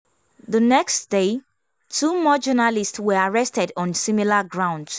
The next day, two more journalists were arrested on similar grounds.